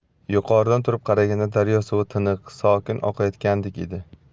yuqoridan turib qaraganida daryo suvi tiniq sokin oqayotgandek edi